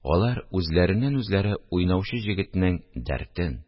Алар үзләреннән-үзләре, уйнаучы җегетнең дәртен